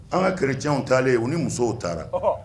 An ka kerecw talen ye u ni musow taara